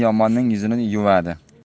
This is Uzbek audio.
yomonning yuzini yuvadi